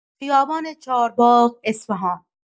خیابان چهارباغ اصفهان